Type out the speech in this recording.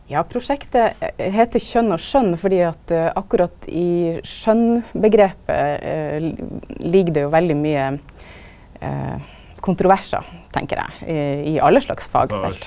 ja prosjektet heiter Kjønn og skjønn fordi at akkurat i skjønnsomgrepet ligg det jo veldig mykje kontroversar tenker eg i alle slags fagfelt.